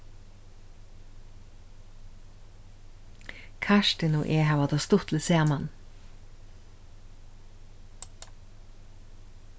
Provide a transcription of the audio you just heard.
kartin og eg hava tað stuttligt saman